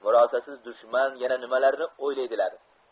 murosasiz dushman yana nimalarni o'ylardilar